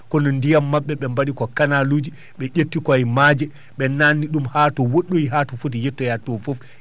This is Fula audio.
kono ndiyam maɓɓe ɓe mbaɗi ko canal uji ɓe ƴettii koye maaje ɓe naatni ɗum haa to woɗɗoyi haa to foti yettoyaade to fof